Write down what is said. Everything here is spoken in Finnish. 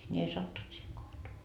niin ei sattunut siihen kohtaan